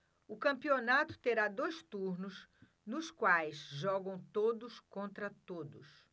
o campeonato terá dois turnos nos quais jogam todos contra todos